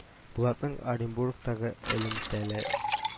Булатның Оренбургтагы элемтәлә